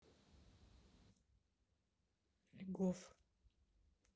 льгов